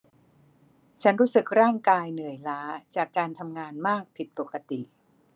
ฉันรู้สึกร่างกายเหนื่อยล้าจากการทำงานมากผิดปกติ